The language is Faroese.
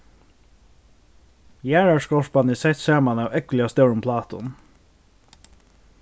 jarðarskorpan er sett saman av ógvuliga stórum plátum